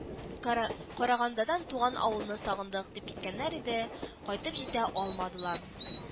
Кара Карагандадан, туган авылны сагындык, дип киткәннәр иде, кайтып җитә алмадылар